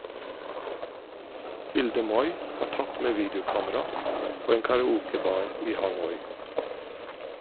Hilde Moi har tatt med videokamera på en karaokebar i Hanoi.